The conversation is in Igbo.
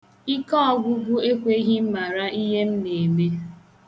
Ikeọgwụgwụ ekweghi m mara ihe m na-eme.